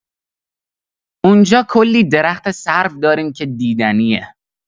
اونجا کلی درخت سرو داریم که دیدنیه.